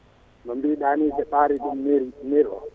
no mbiɗa ni so taari ɗum mur mur o